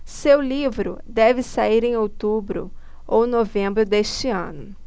seu livro deve sair em outubro ou novembro deste ano